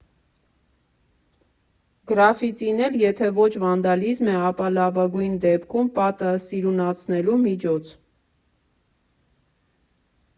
Գրաֆիտին էլ եթե ոչ վանդալիզմ է, ապա լավագույն դեպքում՝ պատը սիրունացնելու միջոց։